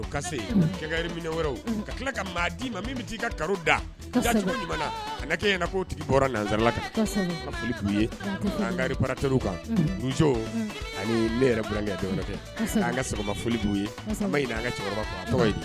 Minɛ wɛrɛ ka tila ka maa d'i ma min bɛ' ka da ja kɛ in ko tigi bɔra nanzrala' ye kari patɛ kan donsoz an an ka saba foli b'u ye ka